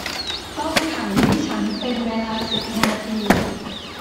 ต้มไข่ให้ฉันเป็นเวลาสิบนาที